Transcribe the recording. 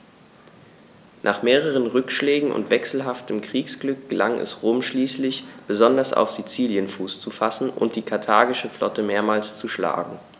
Nach mehreren Rückschlägen und wechselhaftem Kriegsglück gelang es Rom schließlich, besonders auf Sizilien Fuß zu fassen und die karthagische Flotte mehrmals zu schlagen.